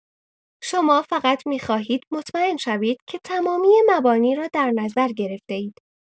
شما فقط می‌خواهید مطمئن شوید که تمامی مبانی را در نظر گرفته‌اید.